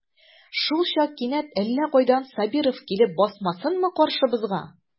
Шулчак кинәт әллә кайдан Сабиров килеп басмасынмы каршыбызга.